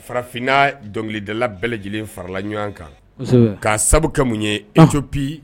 Farafinna dɔnkilidala bɛɛ lajɛlen farala ɲɔgɔn kan k'a sababu kɛ mun ye Etiopie